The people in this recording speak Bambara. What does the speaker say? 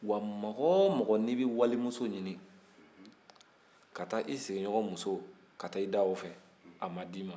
wa mɔgɔ o mɔgɔ n'i bɛ walimouso ɲini ka taa i sigiɲɔgɔn muso ka taa i da o fɛ